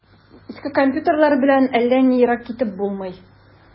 Иске компьютерлар белән әллә ни ерак китеп булмый.